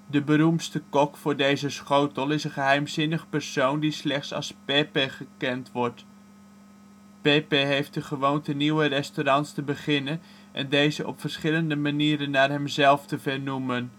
De beroemdste kok voor deze schotel is een geheimzinnig persoon die slechts als " Pepe " wordt gekend. Pepe heeft de gewoonte nieuwe restaurants te beginnen en dezen op verschillende manieren naar hemzelf te vernoemen